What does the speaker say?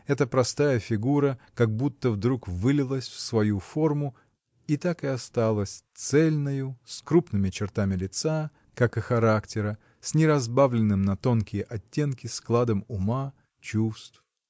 Эта простая фигура как будто вдруг вылилась в свою форму и так и осталась цельною, с крупными чертами лица, как и характера, с не разбавленным на тонкие оттенки складом ума, чувств.